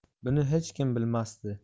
buni hech kim bilmasdi